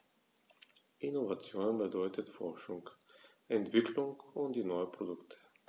Innovation bedeutet Forschung, Entwicklung und neue Produkte.